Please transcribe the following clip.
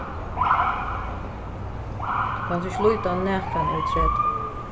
tú kanst ikki líta á nakran yvir tretivu